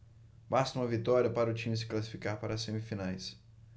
basta uma vitória para o time se classificar para as semifinais